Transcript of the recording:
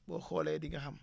boo xoolee di nga xam